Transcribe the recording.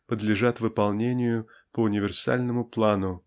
подлежат выполнению по универсальному плану